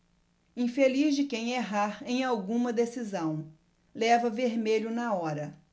infeliz de quem errar em alguma decisão leva vermelho na hora